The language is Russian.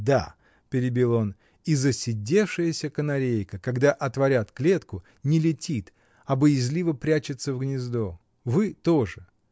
— Да, — перебил он, — и засидевшаяся канарейка, когда отворят клетку, не летит, а боязливо прячется в гнездо. Вы — тоже.